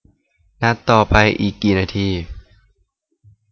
นัดต่อไปอีกกี่นาที